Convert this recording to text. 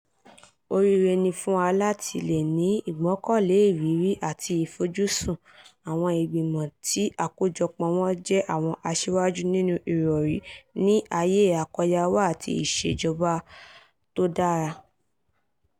Oríire ni fún wa láti le ní ìgbọ́kànlé ìrírí àti ìfojúsùn àwọn ìgbìmọ̀ tí àkójọpọ̀ wọn jẹ àwọn asíwájú nínú ìròrí ní ààyè àkóyawọ́ àti ìṣèjọba tí ó dára.